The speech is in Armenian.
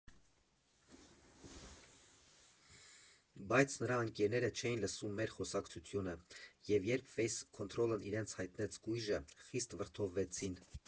Բայց նրա ընկերները չէին լսում մեր խոսակցությունը, և երբ ֆեյս քոնթրոլն իրենց հայտնեց գույժը, խիստ վրդովվեցին։